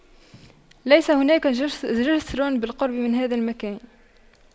ليس هناك جسر جسر بالقرب من هذا المكان